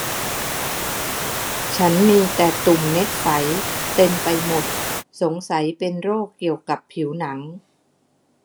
ฉันมีแต่ตุ่มเม็ดไฝเต็มไปหมดสงสัยเป็นโรคเกี่ยวกับผิวหนัง